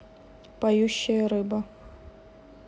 поющая рыба